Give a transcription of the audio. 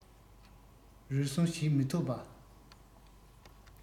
རུལ སུངས བྱེད མི ཐུབ པ